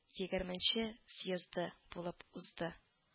ХХ съезды булып узды